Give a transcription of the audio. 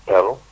allo